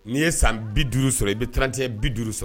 N'i ye san bi duuru sɔrɔ i bɛ tranti bi duuru sɔrɔ